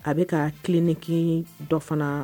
A bɛ ka tileninki dɔ fana